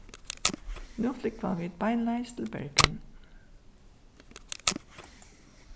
nú flúgva vit beinleiðis til bergen